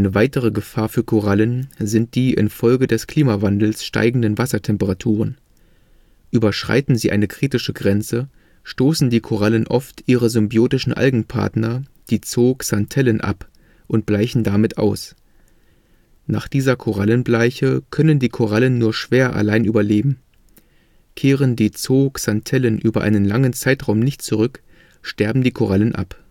weitere Gefahr für Korallen sind die infolge des Klimawandels steigenden Wassertemperaturen: Überschreiten sie eine kritische Grenze, stoßen die Korallen oft ihre symbiotischen Algenpartner (Zooxanthellen) ab und bleichen damit aus. Nach dieser Korallenbleiche können die Korallen nur schwer allein überleben. Kehren die Zooxanthellen über einen langen Zeitraum nicht zurück, sterben die Korallen ab